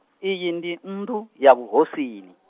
iyi ndi nnḓu, ya vhuhosini.